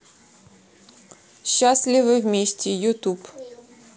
счастливы вместе ютуб